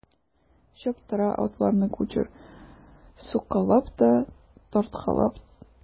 Чаптыра атларны кучер суккалап та тарткалап.